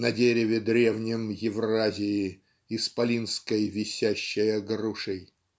"на дереве древнем Евразии исполинской висящая грушей".